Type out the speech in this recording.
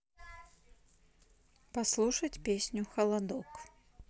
послушать песню холодок